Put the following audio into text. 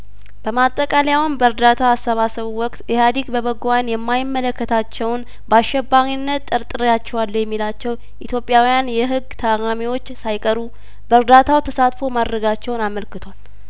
በማጠቃለያውም በእርዳታ አሰባሰቡ ወቅት ኢህአዲግ በበጐ አይን የማይመለከታቸውን በአሸባሪነት ጠርጥሬ ያቸዋለሁ የሚላቸው ኢትዮጵያውያን የህግ ታራሚዎች ሳይቀሩ በእርዳታው ተሳትፎ ማድረጋቸውን አመልክቷል